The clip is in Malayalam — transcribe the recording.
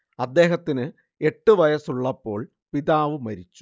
അദ്ദേഹത്തിന് എട്ടു വയസ്സുള്ളപ്പോൾ പിതാവ് മരിച്ചു